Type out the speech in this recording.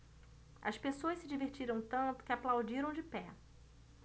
as pessoas se divertiram tanto que aplaudiram de pé